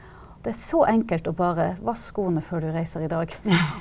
det er så enkelt å bare vaske skoene før du reiser i dag.